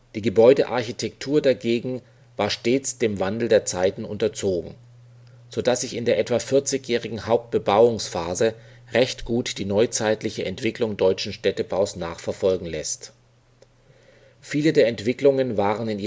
Die Gebäudearchitektur dagegen war stets dem Wandel der Zeiten unterzogen, so dass sich in der etwa 40-jährigen Hauptbebauungsphase recht gut die neuzeitliche Entwicklung deutschen Städtebaus nachverfolgen lässt. Viele der Entwicklungen waren